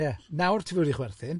Ie, nawr ti fod i chwerthin.